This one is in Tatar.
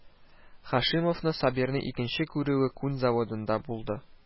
Һашимовның Сабирны икенче күрүе күн заводында булды